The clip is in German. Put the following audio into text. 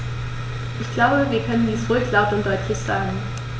Ich glaube, wir können dies ruhig laut und deutlich sagen.